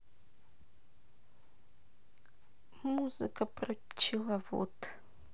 музыка про пчеловод